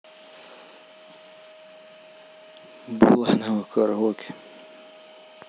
буланова караоке